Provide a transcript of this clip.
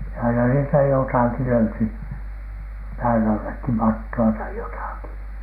ja aina niistä jotakin löytyi pään allekin mattoa tai jotakin